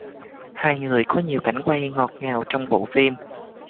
hai người có nhiều cảnh quay ngọt ngào trong bộ phim